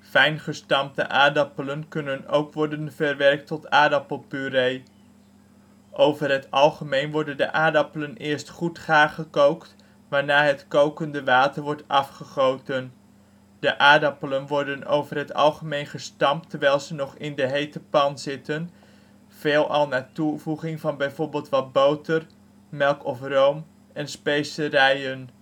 Fijn gestampte aardappelen kunnen ook worden verwerkt tot aardappelpuree. Over het algemeen worden de aardappelen eerst goed gaargekookt, waarna het kokende water wordt afgegoten. De aardappelen worden over het algemeen gestampt terwijl ze nog in de hete pan zitten, veelal na toevoeging van bv. wat boter, melk of room en specerijen